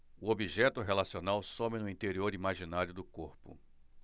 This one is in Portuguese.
o objeto relacional some no interior imaginário do corpo